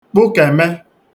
kpụkème